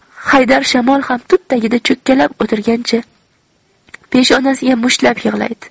haydar shamol ham tut tagida cho'kkalab o'tirgancha peshonasiga mushtlab yig'laydi